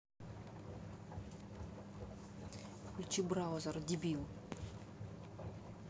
включи браузер дибил